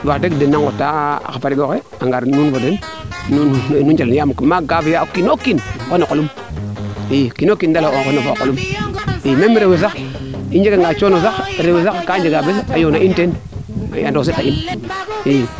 wax deg dena ngotaa xa parigo xe a ngar meen fo den yaam maaga ka fiya o kiino kiin fo no qolum i o kiino kiin daal fo o qolum i meme rew we sax i njega nga coono sax ka jega bes a yoona in teen a ndoose ta in